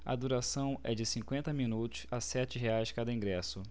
a duração é de cinquenta minutos a sete reais cada ingresso